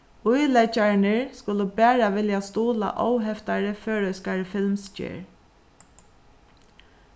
íleggjararnir skulu bara vilja stuðla óheftari føroyskari filmsgerð